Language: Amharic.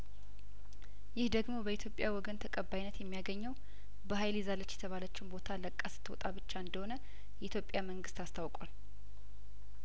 ይህ ደግሞ በኢትዮጵያ ወገን ተቀባይነት የሚያገኘው በሀይል ይዛለች የተባለችውን ቦታ ለቃ ስትወጣ ብቻ እንደሆነ የኢትዮጵያ መንግስት አስታውቋል